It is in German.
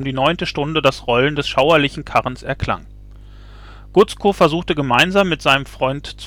neunte Stunde das Rollen des schauerlichen Karrens erklang. “Gutzkow versuchte gemeinsam mit seinem Freund